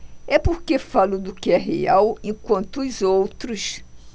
é porque falo do que é real enquanto os outros